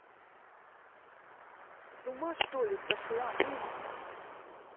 с ума что ли сошла мы